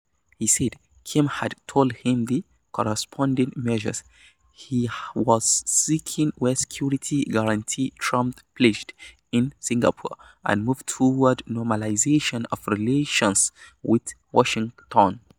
He said Kim had told him the "corresponding measures" he was seeking were security guarantees Trump pledged in Singapore and moves toward normalization of relations with Washington.